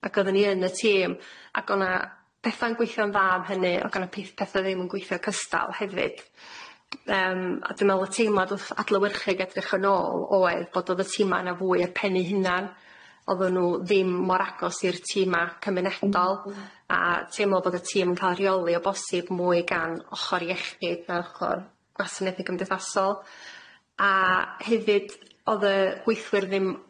Ag oddon ni yn y tîm ag o'na petha'n gweithio'n dda am hynny ag o'na pith- petha ddim yn gweithio cystal hefyd yym a dwi me'l y teimlad wrth adlewyrchu ag edrych yn ôl oedd bod odd y tîma' na fwy ar pen eu hunan oddan nw ddim mor agos i'r tîma' cymunedol a teimlo bod y tîm yn ca'l rheoli o bosib mwy gan ochor iechyd a ochor gwasanaethe cymdeithasol a hefyd o'dd y gweithwyr ddim